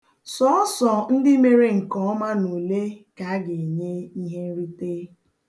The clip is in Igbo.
Sọọsọ ndị mere nkeọma n'ule ka aga-enye ihenrite.